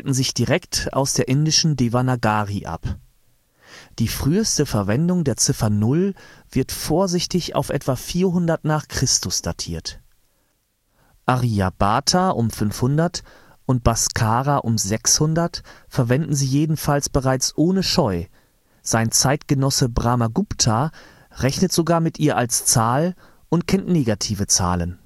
sich direkt aus der indischen Devanagari ab. Die früheste Verwendung der Ziffer 0 wird vorsichtig auf etwa 400 n. Chr. datiert; Aryabhata um 500 und Bhaskara um 600 verwenden sie jedenfalls bereits ohne Scheu, sein Zeitgenosse Brahmagupta rechnet sogar mit ihr als Zahl und kennt negative Zahlen